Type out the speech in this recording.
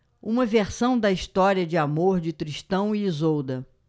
uma versão da história de amor de tristão e isolda